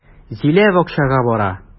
Зилә бакчага бара.